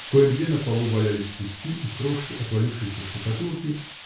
кое-где на полу валялись куски и крошки отвалившейся штукатурки